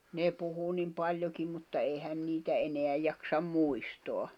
ne puhui niin paljonkin mutta eihän niitä enää jaksa muistaa